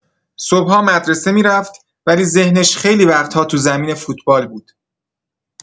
صبح‌ها مدرسه می‌رفت، ولی ذهنش خیلی وقت‌ها تو زمین فوتبال بود.